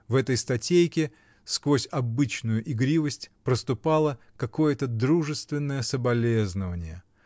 В этой статейке сквозь обычную игривость проступало какое-то дружественное соболезнование